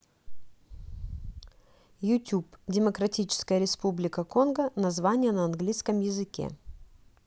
youtube демократическая республика конго название на английском языке